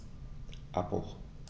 Abbruch.